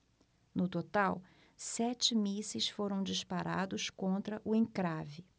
no total sete mísseis foram disparados contra o encrave